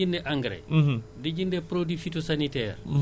ci biir loolu assurance ci la bokk